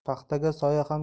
paxtaga soya ham